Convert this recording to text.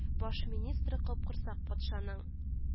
Баш министры капкорсак патшаның: